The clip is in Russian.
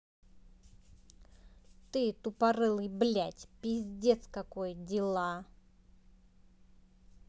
ты тупорылый блядь пиздец какой дела